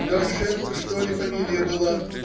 Дорошенко, что ли фамилия была?.